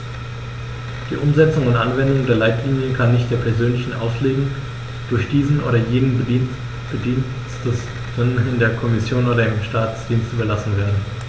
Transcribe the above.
Die Umsetzung und Anwendung der Leitlinien kann nicht der persönlichen Auslegung durch diesen oder jenen Bediensteten in der Kommission oder im Staatsdienst überlassen werden.